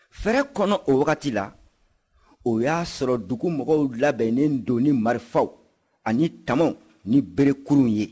fɛrɛ kɔnɔ o wagati la o y'a sɔrɔ dugumɔgɔw labɛnnen don ni marifaw ani tamaw ni berekurunw ye